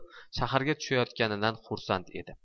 shaharga tushayotganidan xursand edi